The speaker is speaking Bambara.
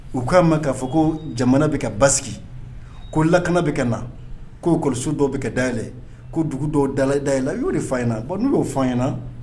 U k'a ma k'a fɔ ko jamana bɛ ka ba sigi ko lakana bɛ kɛ na ko kɔlɔsi dɔw bɛ kɛ dayɛlɛn ko dugu dɔw dalala day yɛlɛ la u y'o fa in ɲɛna n'u y'o fɔ fa ɲɛna